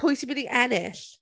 Pwy sy'n mynd i ennill?